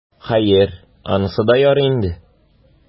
Хәер, анысы да ярый инде.